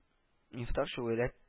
Мифтах чүгәләп